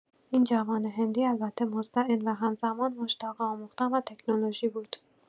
این جوان هندی البته مستعد و همزمان مشتاق آموختن و تکنولوژی بود.